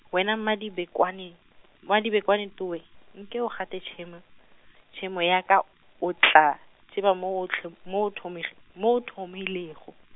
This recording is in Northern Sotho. wena Mmadibekwane, Mmadibekwane towe, nke o gate tšhemo, tšhemo ya ka o tla, tseba mo otl-, mo thomig-, mo o thomilego.